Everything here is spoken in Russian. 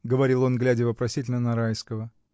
— говорил он, глядя вопросительно на Райского.